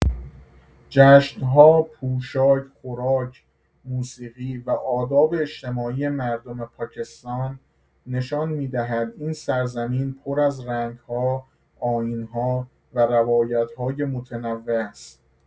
جشن‌ها، پوشاک، خوراک، موسیقی و آداب اجتماعی مردم پاکستان نشان می‌دهد این سرزمین پر از رنگ‌ها، آیین‌ها و روایت‌های متنوع است.